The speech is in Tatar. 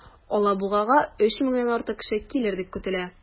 Алабугага 3 меңнән артык кеше килер дип көтелә.